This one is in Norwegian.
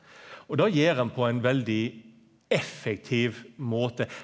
og det gjer ein på ein veldig effektiv måte.